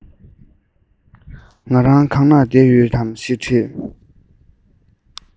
ང རང གང ན བསྡད ཡོད དམ ཞེས དྲིས